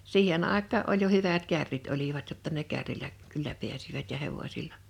siihen aikaan oli jo hyvät kärrit olivat jotta ne kärryllä kyllä pääsivät ja hevosilla